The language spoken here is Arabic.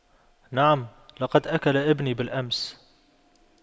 نعم لقد أكل ابني بالأمس